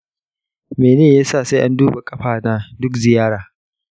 mene yasa sai an duba ƙafa na duk ziyara?